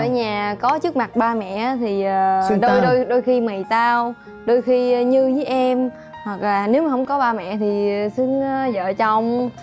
ở nhà có trước mặt ba mẹ á thì đôi đôi đôi khi mày tao đôi khi như như với em hoặc là nếu mà hông có ba mẹ thì xưng vợ chồng